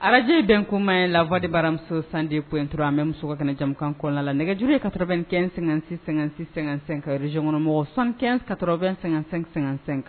araj den kunma ye lafadi baramuso san de intura an bɛ muso ka kanaja kɔnɔna la nɛgɛje kaɛnsɛsɛsɛ-sɛsɛkan zykɔnɔmɔgɔ san ka---sɛkan